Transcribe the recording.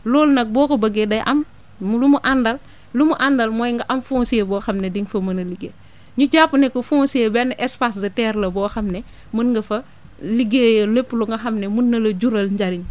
loolu nag boo ko bëggee day am mu lu mu àndal lu mu àndal mooy nga am foncier boo xam ne dinga fa mën a liggéey ñu jàpp ne que foncier benn espace de terre la boo xam ne mën nga fa liggéeyee lépp lu nga xam ne mun na la jural njëriñ